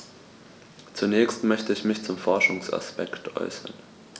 Zunächst möchte ich mich zum Forschungsaspekt äußern.